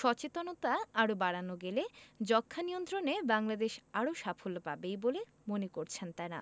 সচেতনতা আরও বাড়ানো গেলে যক্ষ্মানিয়ন্ত্রণে বাংলাদেশ আরও সাফল্য পাবেই বলে মনে করছেন তারা